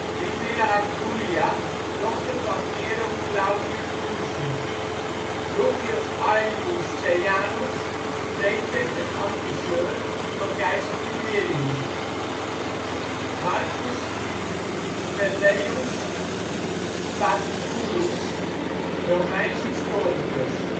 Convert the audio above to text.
Livilla Julia, dochter van Nero Claudius Drusus Lucius Aelius Seianus, prefect en adviseur van keizer Tiberius Marcus Velleius Paterculus, Romeins historicus